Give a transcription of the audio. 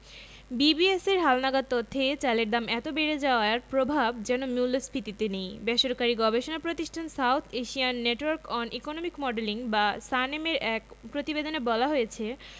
বিবিএসের হালনাগাদ তথ্যে চালের দাম এত বেড়ে যাওয়ার প্রভাব যেন মূল্যস্ফীতিতে নেই বেসরকারি গবেষণা প্রতিষ্ঠান South Asian network on economic modeling বা সানেমের এক প্রতিবেদনে বলা হয়েছে